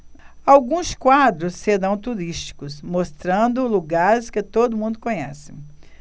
alguns quadros serão turísticos mostrando lugares que todo mundo conhece